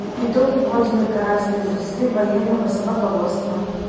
питомник ордена красной звезды военного собаководства